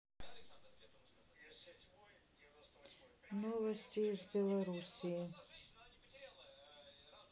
новости из белоруссии